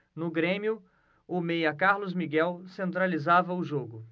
no grêmio o meia carlos miguel centralizava o jogo